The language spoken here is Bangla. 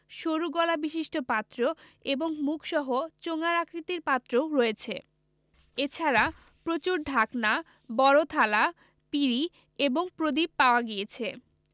সরু গলা বিশিষ্ট পাত্র এবং মুখসহ চোঙার আকৃতির পাত্রও রয়েছে এছাড়া প্রচুর ঢাকনা বড় থালা পিঁড়ি এবং প্রদীপ পাওয়া গিয়েছে